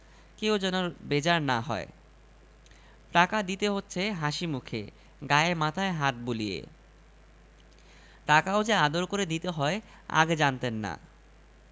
এই কুৎসিত প্রাণী মানুষের কোন উপকারে আসে বলে তো তিনি জানেন না ভোটাররা কুমীরের নাম শুনলেই পিছিয়ে যাবে তিনি কল্পনায় পরিষ্কার দেখছেন লোকে বলাবলি করছে খাল কেটে কুমীর আনবেন না